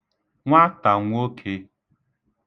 nwatànwokē